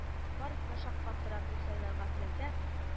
Барысын да шаккаттырам дип сайрарга теләсә